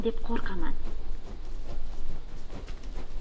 deb qo'rqaman